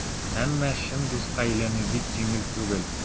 Әмма чын дуска әйләнү бик җиңел түгел.